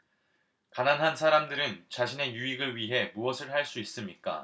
가난한 사람들은 자신의 유익을 위해 무엇을 할 수 있습니까